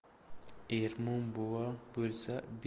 ermon buva bo'lsa